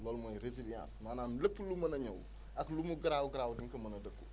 loolu mooy résilience maanaam lépp lu mën a ñëw ak lu mu garaaw garaaw di nga ko mën a dëkku